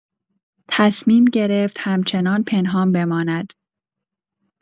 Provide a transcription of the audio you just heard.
تصمیم گرفت همچنان پنهان بماند.